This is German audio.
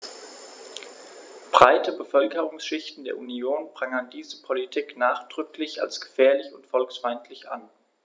Breite Bevölkerungsschichten der Union prangern diese Politik nachdrücklich als gefährlich und volksfeindlich an.